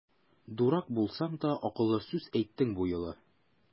Дурак булсаң да, акыллы сүз әйттең бу юлы!